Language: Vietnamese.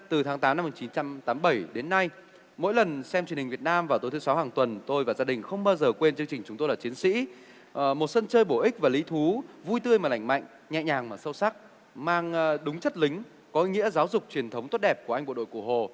từ tháng tám năm một chín trăm tám bảy đến nay mỗi lần xem truyền hình việt nam vào tối thứ sáu hàng tuần tôi và gia đình không bao giờ quên chương trình chúng tôi là chiến sĩ ờ một sân chơi bổ ích và lý thú vui tươi mà lành mạnh nhẹ nhàng mà sâu sắc mang đúng chất lính có ý nghĩa giáo dục truyền thống tốt đẹp của anh bộ đội cụ hồ